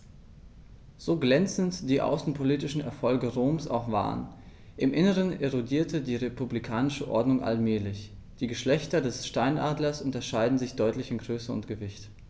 So glänzend die außenpolitischen Erfolge Roms auch waren: Im Inneren erodierte die republikanische Ordnung allmählich. Die Geschlechter des Steinadlers unterscheiden sich deutlich in Größe und Gewicht.